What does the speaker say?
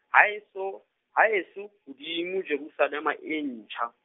haeso, haeso hodimo Jerusalema e ntjha.